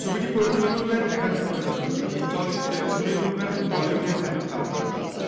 ছবিটি পরিচালনা করবেন একাধিক পরিচালক এই চলচ্চিত্রে অভিনয় করবেন বলিউডের অনেক তারকা